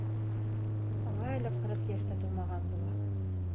Аңа әле кырык яшь тә тулмаган була.